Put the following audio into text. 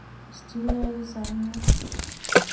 стильное вязание